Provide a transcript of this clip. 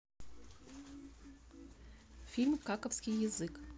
фильм каковский язык